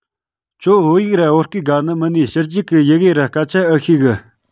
ཁྱོད བོད ཡིག ར བོད སྐད དགའ ནི མིན ནས ཕྱི རྒྱལ གི ཡི གེ ར སྐད ཆ ཨེ ཤེས གི